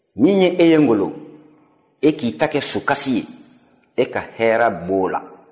min ye e ye ngɔlɔ e k'i ta kɛ sukasi ye e ka hɛra b'o la